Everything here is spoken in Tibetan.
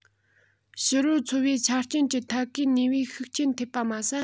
ཕྱི རོལ འཚོ བའི ཆ རྐྱེན གྱི ཐད ཀའི ནུས པའི ཤུགས རྐྱེན ཐེབས པ མ ཟད